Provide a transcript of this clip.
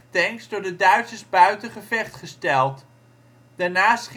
tanks door de Duitsers buiten gevecht gesteld. Daarnaast